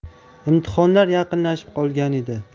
imtihonlar yaqinlashib qolgan edi